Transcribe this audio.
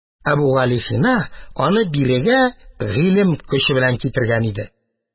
Әбүгалисина аны бирегә гыйлем көче белән китергән иде.